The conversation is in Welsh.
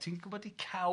Ti'n gwybod i cawg?